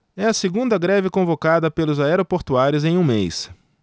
é a segunda greve convocada pelos aeroportuários em um mês